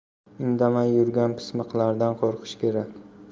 indamay yurgan pismiqlardan qo'rqish kerak